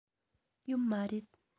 ཡོད མ རེད